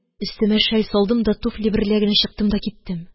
Өстемә шәл салдым да, туфли берлә генә чыктым да киттем.